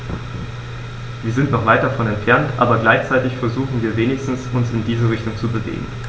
Wir sind noch weit davon entfernt, aber gleichzeitig versuchen wir wenigstens, uns in diese Richtung zu bewegen.